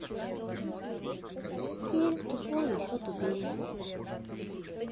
фильм тупой и еще тупее